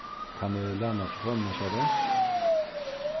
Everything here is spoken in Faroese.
kann eg læna telefonina hjá tær